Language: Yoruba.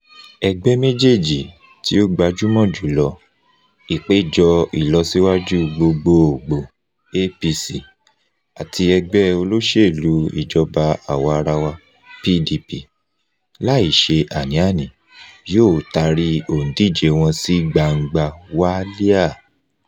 Ẹgbẹ́ méjèèjì tí ó gbajúmọ̀ jù lọ, Ìpéjọ Ìlọsíwájú Gbogboògbò APC àti Ẹgbẹ́-olóṣèlú Ìjọba-àwa-arawa PDP, láì ṣe àní-àní, yóò tari òǹdíje wọn sí gbangba wálíà: